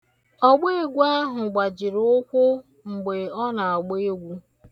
Ọgbeegwu ahụ gbajiri ukwu mgbe ọ na-agba egwu.